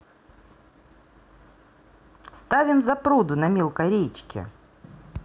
ставим запруду на мелкой речке